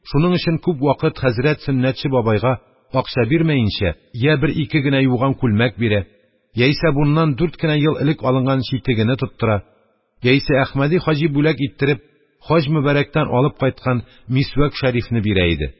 Шуның өчен күп вакыт хәзрәт Сөннәтче бабайга акча бирмәенчә, йә берике генә юган күлмәк бирә, яисә буннан дүрт кенә ел элек алынган читегене тоттыра, яисә Әхмәди хаҗи бүләк иттереп хаҗ мөбарәктән алып кайткан мисвәк шәрифне бирә иде.